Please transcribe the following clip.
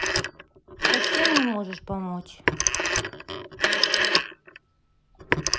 совсем не можешь помочь